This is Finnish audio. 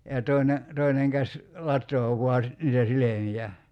ja toinen toinen käsi latoo vain - niitä silmiä